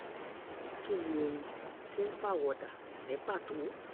Kí ni ohun tí ń pàwọ̀dà ní pàtó?